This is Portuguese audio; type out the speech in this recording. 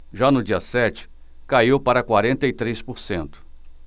já no dia sete caiu para quarenta e três por cento